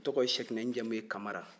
n tɔgɔ ye siyɛkinɛ n jamu ye kamara